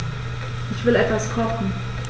Ich will etwas kochen.